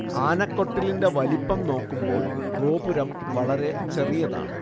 ആനക്കൊട്ടിലിന്റെ വലിപ്പം നോക്കുമ്പോൾ ഗോപുരം വളരെ ചെറിയതാണ്